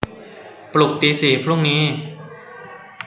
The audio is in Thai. ปลุกตีสี่พรุ่งนี้